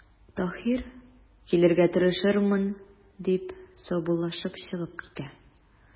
Таһир:– Килергә тырышырмын,– дип, саубуллашып чыгып китә.